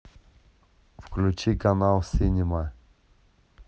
включи канал синема